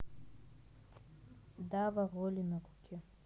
дава роли на руке